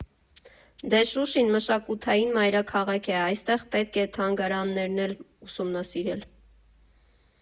Դե Շուշին մշակութային մայրաքաղաք է, այստեղ պետք է թանգարաններն էլ ուսումնասիրել։